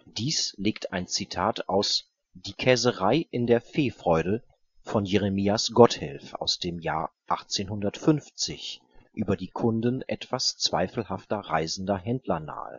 Dies legt ein Zitat aus Die Käserei in der Vehfreude von Jeremias Gotthelf aus dem Jahr 1850 über die Kunden etwas zweifelhafter reisender Händler